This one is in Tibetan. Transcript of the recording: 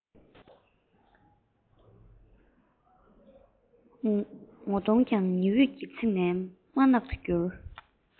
ངོ གདོང ཀྱང ཉི འོད ཀྱིས ཚིག ནས དམར ནག ཏུ གྱུར